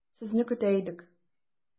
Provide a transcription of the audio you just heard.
Сезне көтә идек.